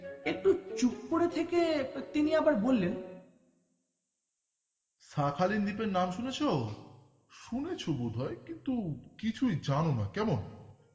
একটু চুপ করে থেকে আবার বললেন শাখালিন দ্বীপের নাম শুনেছো শুনেছ বোধহয় কিন্তু কিছুই জানোনা কেমন